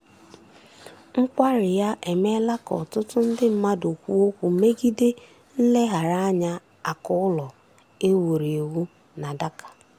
Nkwari ya emeela ka ọtụtụ ndị mmadu kwuo okwu megide nleghara anya àkụ̀ ụlọ e wuru ewu na Dhaka.